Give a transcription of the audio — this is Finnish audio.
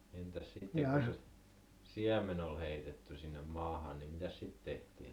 entäs sitten kun se siemen oli heitetty sinne maahan niin mitäs sitten tehtiin